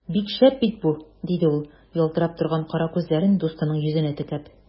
Бик шәп бит бу! - диде ул, ялтырап торган кара күзләрен дустының йөзенә текәп.